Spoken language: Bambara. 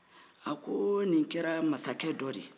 a koo ni kɛra masakɛ dɔ de ye